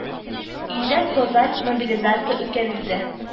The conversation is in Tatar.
Илдә тоталь мобилизация үткәрелде